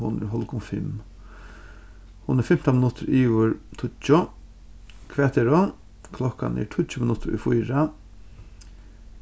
hon er hálvgum fimm hon er fimtan minuttir yvir tíggju hvat er hon klokkan er tíggju minuttir í fýra